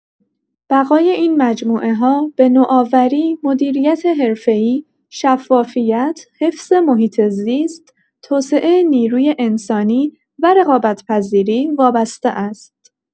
بقای این مجموعه‌ها به نوآوری، مدیریت حرفه‌ای، شفافیت، حفظ محیط‌زیست، توسعه نیروی انسانی و رقابت‌پذیری وابسته است.